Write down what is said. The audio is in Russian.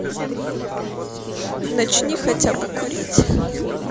начни хотя бы курить